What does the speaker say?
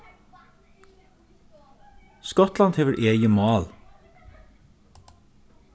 skotland hevur egið mál